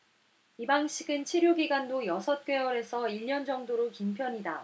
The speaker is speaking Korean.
이 방식은 치료 기간도 여섯 개월 에서 일 년 정도로 긴 편이다